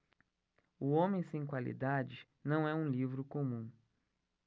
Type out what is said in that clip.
o homem sem qualidades não é um livro comum